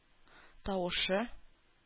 Тавышы